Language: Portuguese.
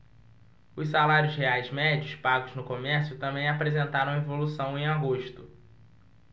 os salários reais médios pagos no comércio também apresentaram evolução em agosto